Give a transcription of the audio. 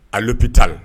A l'hôpital